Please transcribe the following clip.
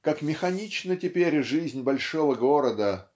как механична теперь жизнь большого города